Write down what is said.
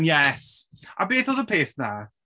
Yes. A beth oedd y peth 'na?